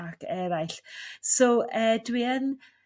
ac eraill so e dwi yn